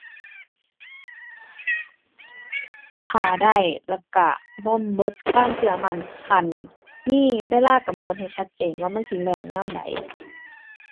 ท่าได้แล้วก็บ่เบิดความเชื่อมั่น คันมีเวลากำหนดให้ชัดเจนว่ามันสิแล้วยามใด